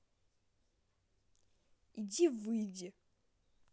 иди выйди